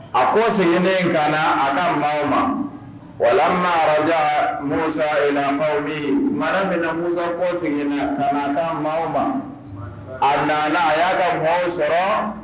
A ko seginna kana a ka maaw ma wala maraja musa in min mara bɛna na musa ko seginna kana taa mɔgɔw ma a nana a y'a ka mɔgɔw sɔrɔ